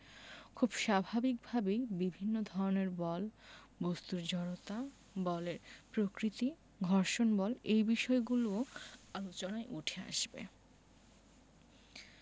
খুব স্বাভাবিকভাবেই বিভিন্ন ধরনের বল বস্তুর জড়তা বলের প্রকৃতি ঘর্ষণ বল এই বিষয়গুলোও আলোচনায় উঠে আসবে